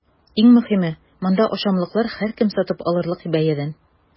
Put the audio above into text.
Иң мөһиме – монда ашамлыклар һәркем сатып алырлык бәядән!